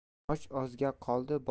osh ozga qoldi